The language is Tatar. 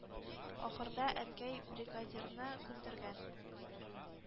Ахырда Әнкәй бригадирны күндергән: